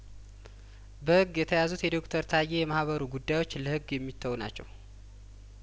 በህግ የተያዙት የዶክተር ታዬ የማህበሩ ጉዳዮች ለህግ የሚተዉ ናቸው